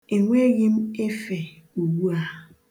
E nweghị m efe ugbu a.